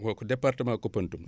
kooku département Koupantoum la